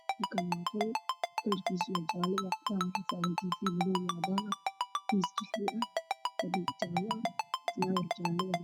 Kani waa qol midab kiisu yahay jaale iyo qaxwi